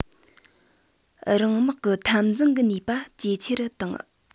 རང དམག གི འཐབ འཛིང གི ནུས པ ཆེ རུ བཏང